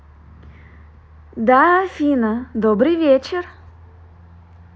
да афина добрый вечер